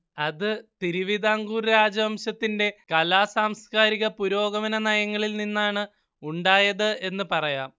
അത് തിരുവിതാംകൂർ രാജവംശത്തിന്റെ കലാ സാംസ്കാരിക പുരോഗമന നയങ്ങളിൽ നിന്നാണ് ഉണ്ടായത് എന്ന് പറയാം